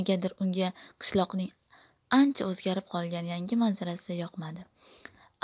negadir unga qishloqning ancha o'zgarib qolgan yangi manzarasi yoqmadi